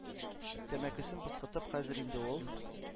Тәмәкесен пыскытып, хәзер инде ул